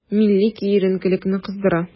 Милли киеренкелекне кыздыра.